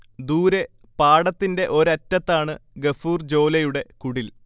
ദൂരെ പാടത്തിന്റെ ഒരറ്റത്താണ് ഗഫൂർ ജോലയുടെ കുടിൽ